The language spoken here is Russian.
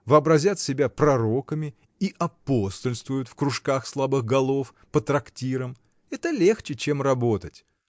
вообразят себя пророками и апостольствуют в кружках слабых голов, по трактирам. Это легче, чем работать.